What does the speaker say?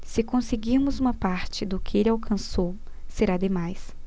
se conseguirmos uma parte do que ele alcançou será demais